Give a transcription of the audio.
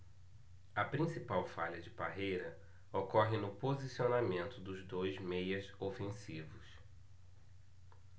a principal falha de parreira ocorre no posicionamento dos dois meias ofensivos